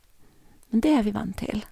Men det er vi vant til.